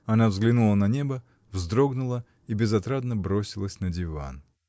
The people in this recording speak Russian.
Она взглянула на небо, вздрогнула и безотрадно бросилась на диван.